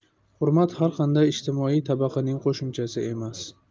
hurmat har qanday ijtimoiy tabaqaning qo'shimchasi emas